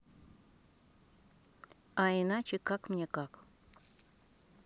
а иначе как мне как